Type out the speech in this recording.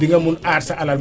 dinga mun aar sa alal